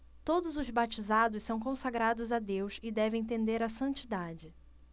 todos os batizados são consagrados a deus e devem tender à santidade